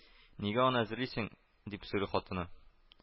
— нигә аны әзерлисең? — дип сорый хатыны